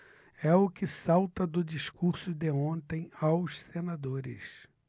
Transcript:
é o que salta do discurso de ontem aos senadores